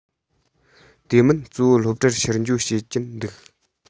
དེ མིན གཙོ བོ སློབ གྲྭར ཕྱི འབྱོར བྱེད ཀྱིན འདུག